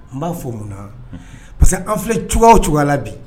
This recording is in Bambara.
N b'a fɔ munna parce que an filɛ cogoya cogoya la bi